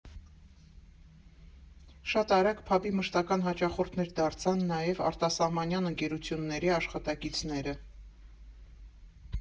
Շատ արագ փաբի մշտական հաճախորդներ դարձան նաև արտասահմանյան ընկերությունների աշխատակիցները։